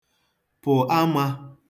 pụ̀ amā